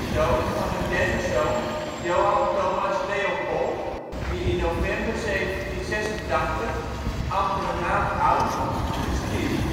dood van hun derde zoon, Johann Thomas Leopold, die in november 1786, amper een maand oud, stierf